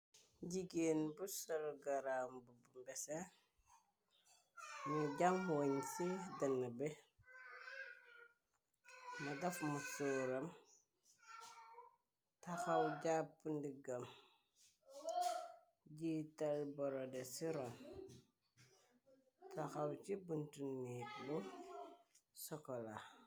Jigeen brusselu garam b bu mbese ñu jam woñ ci den be na daf musouram taxaw jàpp ndiggam jitel borode ciro taxaw ci buntunit bu sokola.